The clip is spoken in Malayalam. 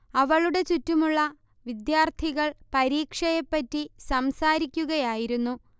അവളുടെ ചുറ്റുമുള്ള വിദ്യാർത്ഥികൾ പരീക്ഷയെ പറ്റി സംസാരിക്കുകയായിരുന്നു